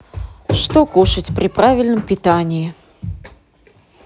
что кушать при правильном питании